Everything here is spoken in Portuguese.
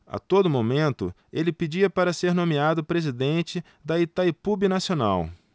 a todo momento ele pedia para ser nomeado presidente de itaipu binacional